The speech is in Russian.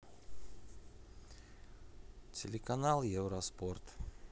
телеканал евроспорт